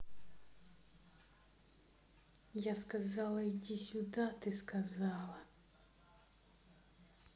я сказала иди сюда ты сказала